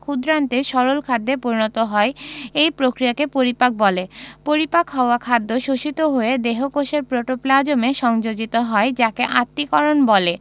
ক্ষুদ্রান্তে সরল খাদ্যে পরিণত হয় এই প্রক্রিয়াকে পরিপাক বলে পরিপাক হওয়া খাদ্য শোষিত হয়ে দেহকোষের প্রোটোপ্লাজমে সংযোজিত হয় যাকে আত্তীকরণ বলে